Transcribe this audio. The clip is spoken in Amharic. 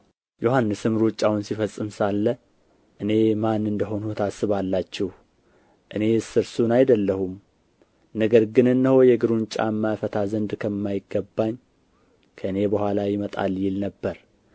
ዮሐንስም ሩጫውን ሲፈጽም ሳለ እኔ ማን እንደ ሆንሁ ታስባላችሁ እኔስ እርሱን አይደለሁም ነገር ግን እነሆ የእግሩን ጫማ እፈታ ዘንድ ከማይገባኝ ከእኔ በኋላ ይመጣል ይል ነበር